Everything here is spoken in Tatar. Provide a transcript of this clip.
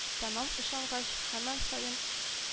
Тәмам ышангач, һаман саен